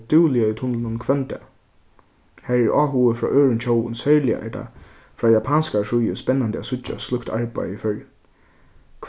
dúgliga í tunlinum hvønn dag har er áhugi frá øðrum tjóðum serliga er tað frá japanskari síðu spennandi at síggja slíkt arbeiði í føroyum